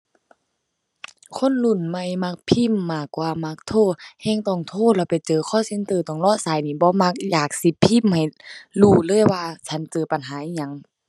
คนรุ่นใหม่มักพิมพ์มากกว่ามักโทร แฮ่งต้องโทรแล้วไปเจอ call center ต้องรอสายนี่ บ่มัก อยากสิพิมพ์ให้รู้เลยว่าฉันเจอปัญหาอิหยัง